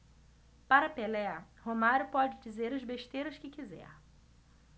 para pelé romário pode dizer as besteiras que quiser